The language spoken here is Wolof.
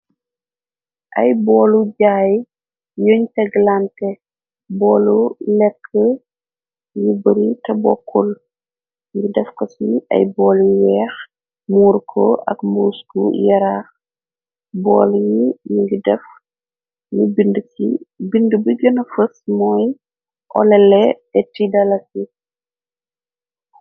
Ay boolu jaay yuñ teglante boolu lekk yi bari te bokkul ngi def kas yi ay boolu weex muur ko ak mbuusku yaraax bool yi ni ngi def n ci bind bi gëna fës mooy olele ehghty dalasi.